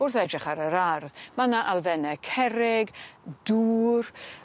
wrth edrych ar yr ardd ma' 'na alfenne cerrig dŵr